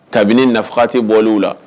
Kabini nafati bɔw la